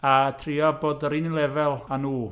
A trio bod yr un un lefel â nhw.